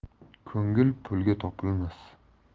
ko'ngil pulga topilmas